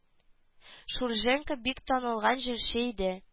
Шульженко бик танылган җырчы иде